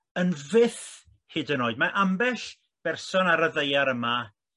yn fyth hyd yn oed ma' ambell berson ar y ddaear yma